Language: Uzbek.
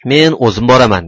men o'zim boraman